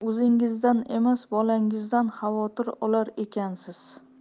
o'zingizdan emas bolangizdan xavotir olarkansiz